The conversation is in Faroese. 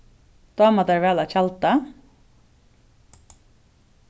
dámar tær at tjalda